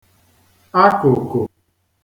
akụ̀kụ̀